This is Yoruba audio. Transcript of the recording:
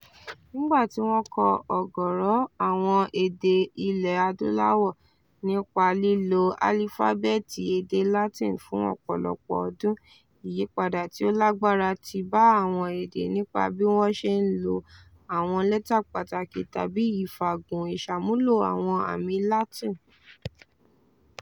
Nígbà tí wọ́n tí kọ ọ̀gọ̀ọ̀rọ̀ àwọn èdè Ilẹ̀ Adúláwò nípa lílo álífábẹ́ẹ́tì èdè Latin fún ọ̀pọ̀lọpọ̀ ọdún, ìyípadà tí ó lágbára ti bá àwọn èdè nípa bí wọ́n ṣe ń lo àwọn lẹ́tà pàtàkì, tàbí "ìfàgùn" ìsàmúlò àwọn àmì Latin.